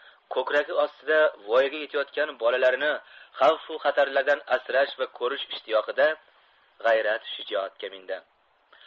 ko'kragi ostida voyaga yetayotgan bolalarini xavfu xatarlardan asrash va qo'rish ishtiyoqida g'ayrat shijoatga mindi